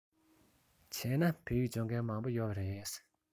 བྱས ན བོད ཡིག སྦྱོང མཁན མང པོ ཡོད པ རེད